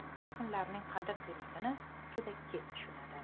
bu kunlarning qadr qiymatini juda kech tushunadi